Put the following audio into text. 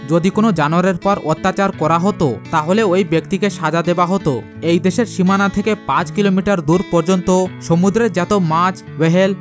সময়ে যদি কোন জানোয়ারের উপর অত্যাচার করা হতো তাহলে ওই ব্যক্তিকে সাজা দেয়া হতো এই দেশের সীমানা থেকে ৫ কিলোমিটার দূর পর্যন্ত সমুদ্র যত মাছ হোয়েল